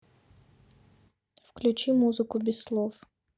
включи музыку без слов